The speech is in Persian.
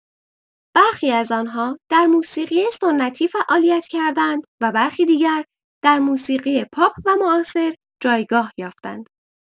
برخی از آنها در موسیقی سنتی فعالیت کردند و برخی دیگر در موسیقی پاپ و معاصر جایگاه یافتند.